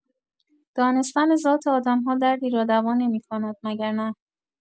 دانستن ذات آدم‌ها دردی را دوا نمی‌کند، مگر نه؟